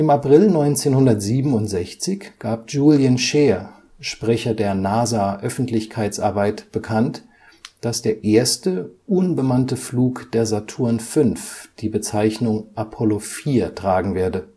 April 1967 gab Julian Scheer, Sprecher der NASA-Öffentlichkeitsarbeit, bekannt, dass der erste, unbemannte Flug der Saturn V die Bezeichnung Apollo 4 tragen werde